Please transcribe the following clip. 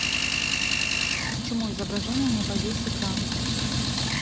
почему изображение не во весь экран